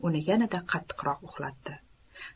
uni yanada qattiqroq uxlatdi